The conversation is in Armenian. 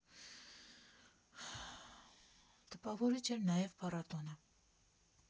Տպավորիչ էր նաև փառատոնը։